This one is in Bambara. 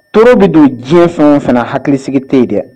Toro be don diɲɛ fɛn o fɛn na hakilisigi te ye dɛ